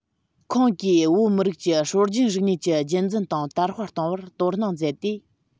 ཁོང གིས བོད མི རིགས ཀྱི སྲོལ རྒྱུན རིག གནས ཀྱི རྒྱུན འཛིན དང དར སྤེལ གཏོང བར དོ སྣང མཛད དེ